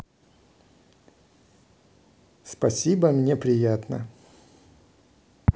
спасибо мне приятно